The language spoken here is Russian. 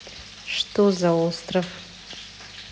что за остров